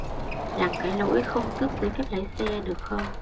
làm cái lỗi không tước giấy phép lái xe được không